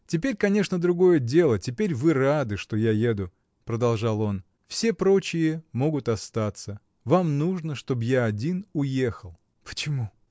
— Теперь, конечно, другое дело: теперь вы рады, что я еду, — продолжал он, — все прочие могут остаться вам нужно, чтоб я один уехал. — Почему?